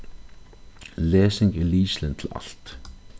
lesing er lykilin til alt